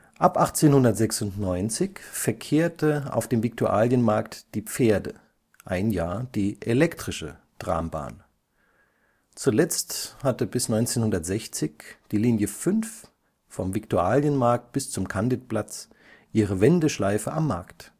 Ab 1896 verkehrte auf dem Viktualienmarkt die Pferde -, ein Jahr später die elektrische Trambahn. Zuletzt hatte bis 1960 die Linie 5 (Viktualienmarkt – Candidplatz) ihre Wendeschleife am Markt